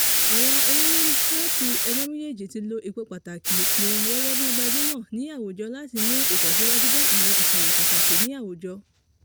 Àwọn eléré láti ẹgbẹ́ méjéèjì tí lo ipò pàtàkì wọn gẹ́gẹ́ bíi gbajúmọ̀ ní àwùjọ láti mú ìtẹ̀síwájú bá àwọn ìṣẹ̀lẹ̀ pàtàkì ní àwùjọ.